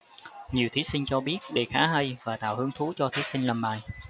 nhiều thí sinh cho biết đề khá hay và tạo hứng thú cho thí sinh làm bài